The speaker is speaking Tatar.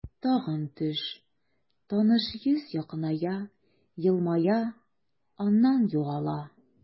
Тагын төш, таныш йөз якыная, елмая, аннан югала.